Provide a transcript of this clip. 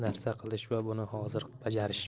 biror narsa qilish va buni hozir bajarish